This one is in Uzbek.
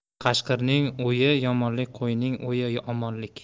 qashqirning o'yi yomonlik qo'yning o'yi omonlik